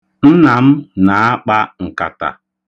Nna nna m na-akpa nkata.